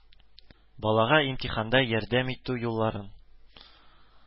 Балага имтиханда ярдәм итү юлларын